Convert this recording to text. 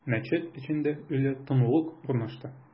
Мәчет эчендә үле тынлык урнашты.